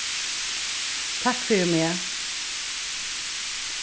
takk fyri meg